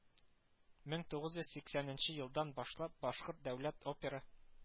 Мең тугыз йөз сиксән елдан башлап башкорт дәүләт опера